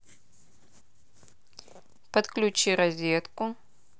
подключи розетку